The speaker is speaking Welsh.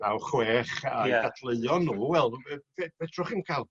naw chwech a... Ia. ...dadleuon n'w wel yy fe- fedrwch chi'm ca'l